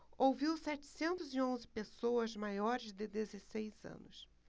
ouviu setecentos e onze pessoas maiores de dezesseis anos